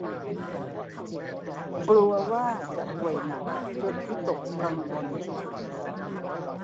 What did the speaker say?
กลัวว่าจะป่วยหนักจนวิตกกังวล